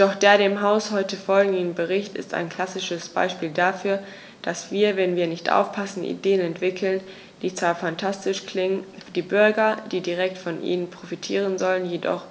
Doch der dem Haus heute vorliegende Bericht ist ein klassisches Beispiel dafür, dass wir, wenn wir nicht aufpassen, Ideen entwickeln, die zwar phantastisch klingen, für die Bürger, die direkt von ihnen profitieren sollen, jedoch